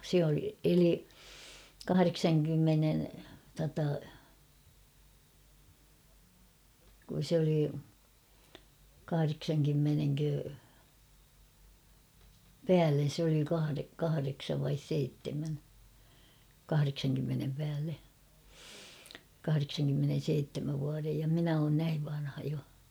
se - eli kahdeksankymmenen tuota kun se oli kahdeksankymmenenkö päälle se oli - kahdeksan vai seitsemän kahdeksankymmenen päälle kahdeksankymmenenseitsemän vuoden ja minä olen näin vanha jo